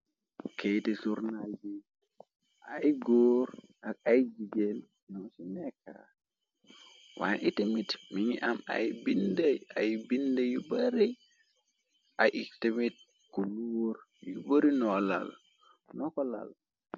Keyte surnal yi ay góor ak ay jigéen ñoo ci nekka. Waane iti mit mi ngi am ay binde yu bari ay iktmit ku luur yu bari noo lal no ko lal.